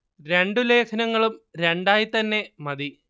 രണ്ടു ലേഖനങ്ങളും രണ്ടായി തന്നെ മതി